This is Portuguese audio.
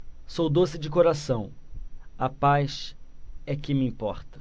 sou doce de coração a paz é que me importa